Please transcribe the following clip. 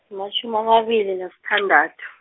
matjhumi amabili nasithandathu.